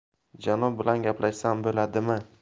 janob bilan gaplashsam bo'ladimi